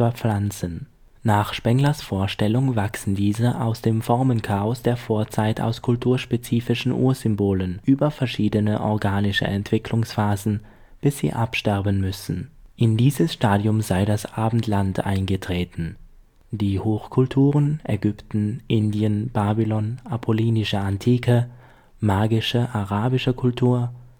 Pflanzen. Nach Spenglers Vorstellung wachsen diese aus dem Formenchaos der Vorzeit aus kulturspezifischen Ursymbolen über verschiedene organische Entwicklungsphasen, bis sie absterben müssen. In dieses Stadium sei das Abendland eingetreten. Die Hochkulturen – Ägypten, Indien, Babylon, „ apollinische “Antike, „ magische “arabische Kultur